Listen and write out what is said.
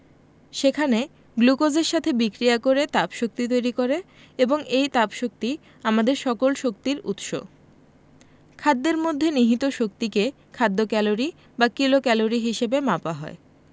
সেখানে গ্লুকোজের সাথে বিক্রিয়া করে তাপশক্তি তৈরি করে এবং এই তাপশক্তি আমাদের সকল শক্তির উৎস খাদ্যের মধ্যে নিহিত শক্তিকে খাদ্য ক্যালরি বা কিলোক্যালরি হিসেবে মাপা হয়